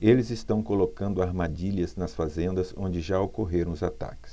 eles estão colocando armadilhas nas fazendas onde já ocorreram os ataques